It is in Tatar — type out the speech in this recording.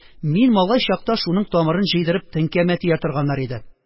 – мин малай чакта шуның тамырын җыйдырып теңкәмә тия торганнар иде.